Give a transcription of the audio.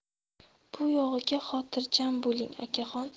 bu yog'iga xotirjam bo'ling okaxon